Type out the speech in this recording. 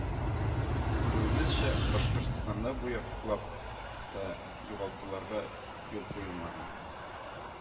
Күрүебезчә, Башкортстанда бу яклап та югалтуларга юл куелмаган